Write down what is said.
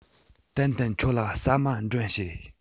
ཏན ཏན ཁྱོད ལ ཟ མ མགྲོན བྱེད